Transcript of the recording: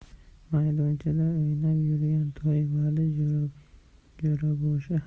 maydonchada o'ynab yurgan toy vali jo'raboshi